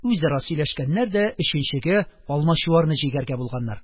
Үзара сөйләшкәннәр дә, өченчегә Алмачуарны җигәргә булганнар.